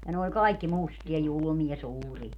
ja ne oli kaikki mustia julmia suuria